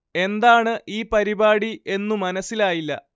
എന്താണ് ഈ പരിപാടി എന്നു മനസ്സിലായില്ല